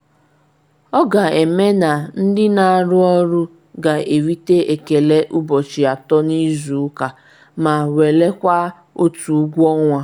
Ọ ga-eme na ndị na-arụ ọrụ ga-erite elele ụbọchị atọ n’izu ụka ma welakwaa otu ụgwọ ọnwa.